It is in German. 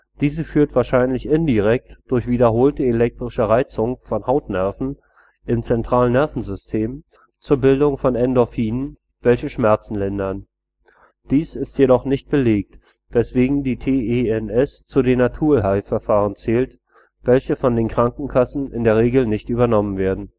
Diese führt wahrscheinlich indirekt durch wiederholte elektrische Reizung von Hautnerven im Zentralnervensystem zur Bildung von Endorphinen, welche Schmerzen lindern. Dies ist jedoch nicht belegt, weswegen die TENS zu den " Naturheilverfahren " zählt, welche von den Krankenkassen in der Regel nicht übernommen werden